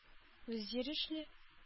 Үзйөрешле